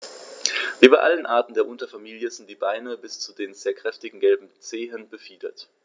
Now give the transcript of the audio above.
Wie bei allen Arten der Unterfamilie sind die Beine bis zu den sehr kräftigen gelben Zehen befiedert.